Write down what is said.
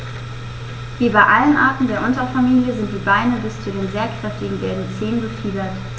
Wie bei allen Arten der Unterfamilie sind die Beine bis zu den sehr kräftigen gelben Zehen befiedert.